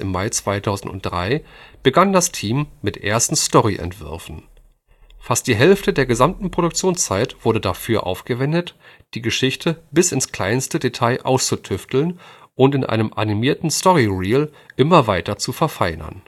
Mai 2003 begann das Team mit ersten Storyentwürfen. Fast die Hälfte der gesamten Produktionszeit wurde dafür aufgewendet, die Geschichte bis ins kleinste Detail auszutüfteln und in einem animierten Story Reel immer weiter zu verfeinern